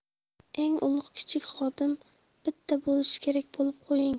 eng ulug' kichik xodim bitta bo'lishi kerak bilib qo'ying